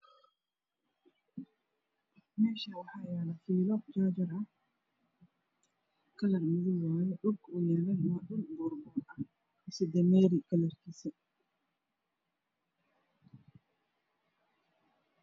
Meeshaani waxaa yaalo fiilo jaajar ah kalar madow waaye dhulku uu yaalo waa dhul boolbar ah mise dameeri kalarkiisa